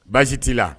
Baasi t'i la